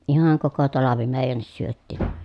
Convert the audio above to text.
ihan koko talvi meidänkin syötiin